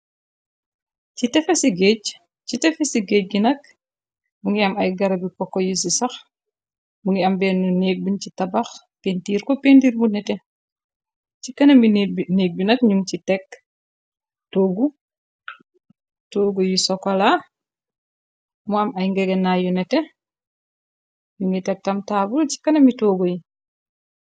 ci tefe si géej gi nak mu ngi am ay garabi kokko yu si sax mu ngi am bennu néeg buñ ci tabax géntiir ko pendir bu nete ci kana mi négg bi nak ñu ci tekk toogu yi sokola mu am ay ngegena yu nete ñu ngi tektam taabul ci kana mi toogo yi